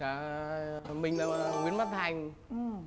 dạ mình là nguyễn văn thành năm